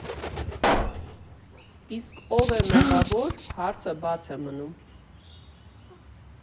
Իսկ «Ո՞վ է մեղավոր» հարցը բաց է մնում։